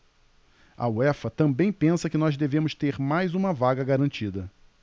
a uefa também pensa que nós devemos ter mais uma vaga garantida